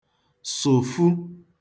sụ̀fu